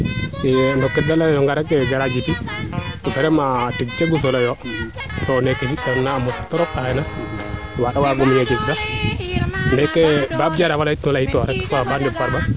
i no keede leyoonga re grand Djiby vraiment tig cegu solo yoo to neeke fita noona a mosa trop a xena a war a waago fi tig sax neeke baab Jaraaf a leytuuna leyit rek fo baab ɗeɓ Farba